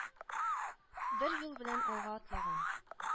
Бер юл белән алга атлаган